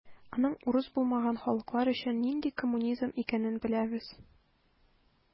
Аның урыс булмаган халыклар өчен нинди коммунизм икәнен беләбез.